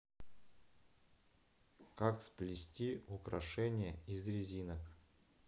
как сплести украшение из резинок